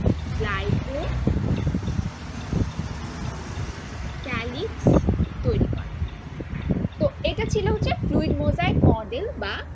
গ্লাইকো ক্যালিকস তৈরি করে তো এটা ছিল হচ্ছে যে ফ্লুইড মোজাইক মডেল বা